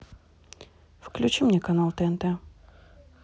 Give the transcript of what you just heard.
включи мне канал тнт